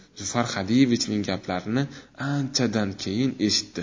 zufar xodiyevichning gaplarini anchadan keyin eshitdi